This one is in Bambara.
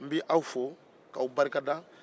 n'bɛ aw fo ka aw barikada